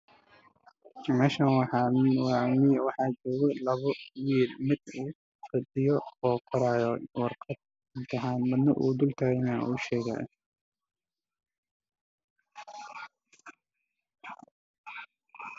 Waa barayfad oo caafimaad lagu barto nin ayaa taagan oo wiil ah taagan cashar qoraayo